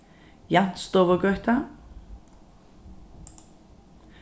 jansstovugøta